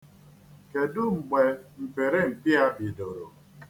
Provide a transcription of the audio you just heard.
Kedụ mgbe mpịrịmpị a bidoro?